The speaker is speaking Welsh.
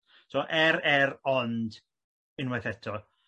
so er er ond unwaith eto.